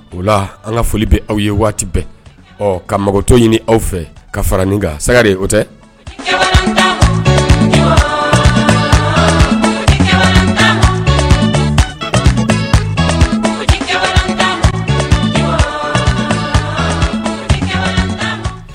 Ola la an ka foli bɛ aw ye waati bɛɛ ɔ ka magoto ɲini aw fɛ ka farain ka saga de o tɛ